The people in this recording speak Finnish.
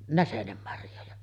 näsenenmarjoja